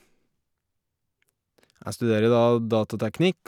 Jeg studerer da datateknikk.